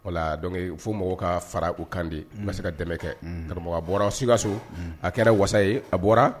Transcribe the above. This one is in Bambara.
Wala dɔn fo mɔgɔw ka fara u kan di bɛ se ka dɛmɛ kɛ karamɔgɔ bɔra sikaso a kɛra wa ye a bɔra